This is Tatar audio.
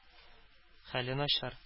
Хәле начар